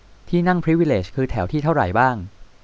ที่นั่งพรีวิเลจคือแถวที่เท่าไหร่บ้าง